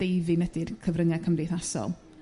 deufin ydy'r cyfrynge cymdeithasol.